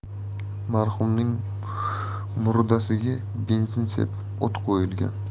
marhumning murdasiga benzin sepib o't qo'yilgan